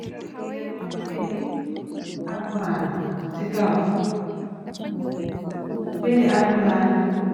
Kai bi nak ngu fa bindi arxuraan si kaw wam. Bindi arxuraan